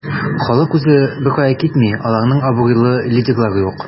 Халык үзе беркая китми, аларның абруйлы лидерлары юк.